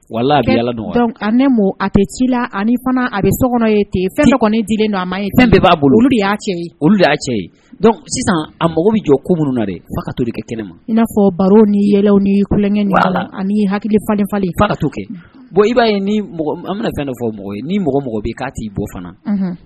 Wala a bɛ don ne a tɛ ci la ani fana a bɛ so kɔnɔ ye fɛn dɔ kɔni di nɔ a ma ye fɛn bɛɛ b'a bolo olu y'a cɛ olu y'a cɛ sisan a mago bɛ jɔ kourunna fo ka to kɛ kɛnɛ ma i n'a fɔ baro ni yɛlɛ nikɛ ani hakili falen falen i ka to kɛ bon i b'a ye an bɛna fɛn fɔ mɔgɔ ni mɔgɔ mɔgɔ bɛ k'a t i bɔ fana